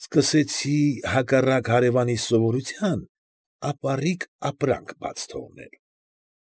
Սկսեցի, հակառակ հարևանիս սովորության, ապառիկ ապրանք բաց թողնել։